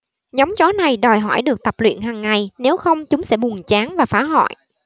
giống chó này đòi hỏi được tập luyện hàng ngày nếu không chúng sẽ buồn chán và phá hoại